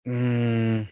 Mm.